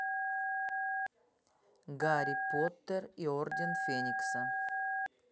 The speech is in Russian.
гарри поттер и орден феникса